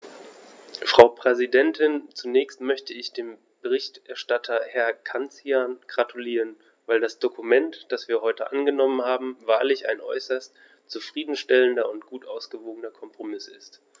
Frau Präsidentin, zunächst möchte ich dem Berichterstatter Herrn Cancian gratulieren, weil das Dokument, das wir heute angenommen haben, wahrlich ein äußerst zufrieden stellender und gut ausgewogener Kompromiss ist.